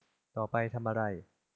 ต่อไปทำอะไร